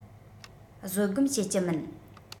བཟོད སྒོམ བྱེད ཀྱི མིན